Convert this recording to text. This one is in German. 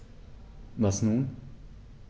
Was nun?